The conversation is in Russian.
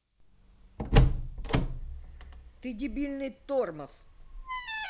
ты дебильный тормоз